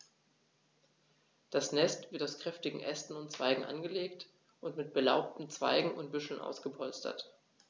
Das Nest wird aus kräftigen Ästen und Zweigen angelegt und mit belaubten Zweigen und Büscheln ausgepolstert.